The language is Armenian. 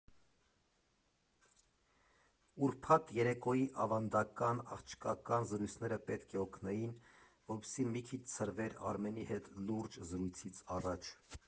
Ուրբաթ երեկոյի ավանդական աղջկական զրույցները պետք է օգնեին, որպեսզի մի քիչ ցրվեր Արմենի հետ լուրջ զրույցից առաջ։